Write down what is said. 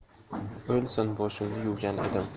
o'lsin boshimni yuvgan edim